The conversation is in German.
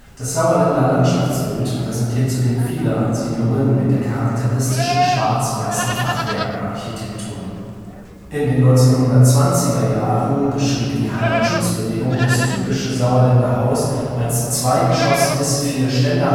Das Sauerländer Landschaftsbild präsentiert zudem viele Ansiedlungen mit der charakteristischen schwarz-weißen Fachwerkarchitektur. In den 1920er Jahren beschrieb die Heimatschutzbewegung das „ typische “Sauerländer Haus als zweigeschossiges Vierständer-Hallenhaus